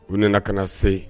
U nana ka na se